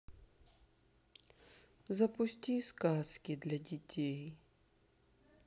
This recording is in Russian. запусти сказки для детей